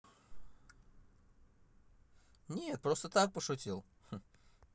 нет просто так пошутил